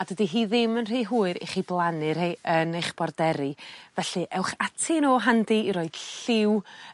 a dydi hi ddim yn rhy hwyr i chi blannu rhei yn eich borderi felly ewch ati'n o handi i roid lliw